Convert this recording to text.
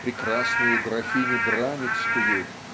прекрасную графиню Драницкую